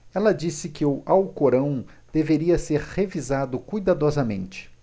ela disse que o alcorão deveria ser revisado cuidadosamente